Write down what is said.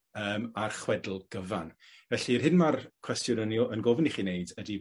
yym a'r chwedl gyfan. Felly'r hyn ma'r cwestiwn yn 'i o- yn gofyn i chi neud ydi